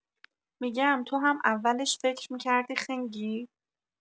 می‌گم تو هم اولش فکر می‌کردی خنگی؟